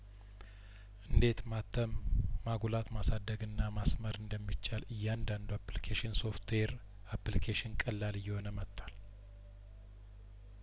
እንዴት ማተም ማጉላት ማሳደግና ማስመር እንደሚቻል እያንዳንዱ አፕሊ ኬሽን ሶፍትዌር አፕሊኬሽን ቀላል እየሆነ መጥቷል